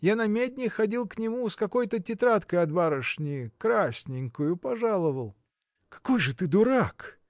Я намедни ходил к нему с какой-то тетрадкой от барышни – красненькую пожаловал. – Какой же ты дурак!